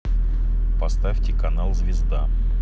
поставьте канал звезда